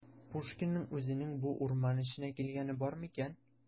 Пушкинның үзенең бу урман эченә килгәне бармы икән?